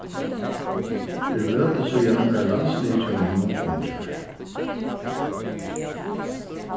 fyri løtu síðani var landsliðið hjá monnum kunngjørt